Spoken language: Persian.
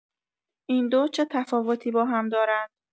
این دو چه تفاوتی باهم دارند؟